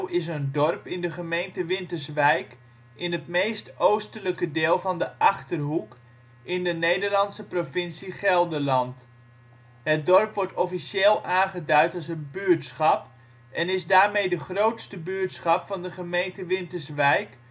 is een dorp in de gemeente Winterswijk in het meest oostelijke deel van de Achterhoek in de Nederlandse provincie Gelderland. Het dorp wordt officieel aangeduid als een buurtschap en is daarmee de grootste buurtschap van de gemeente Winterswijk